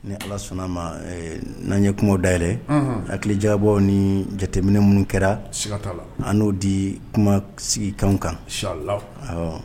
Ni ala sɔnna'a ma n'an ye kuma day hakili jabɔ ni jateminɛ minnu kɛraigaka an n'o di kuma sigikan kan